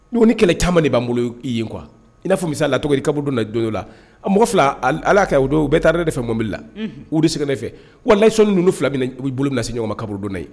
Ni ni kɛlɛ caman de ban bolo i ye kuwa i na misa lat kabdon don la a mɔgɔ fila ala ka o don u bɛɛ taara yɛrɛ de fɛ mbili la de se ne fɛ wa lasini ninnu fila min ubolo na se ɲɔgɔnma kaburudon la